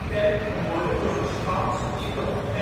kon worden door de schansen in de omgeving, het